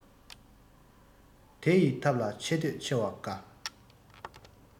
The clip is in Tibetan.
དེ ཡི ཐབས ལ ཆེ འདོད ཆེ བ དགའ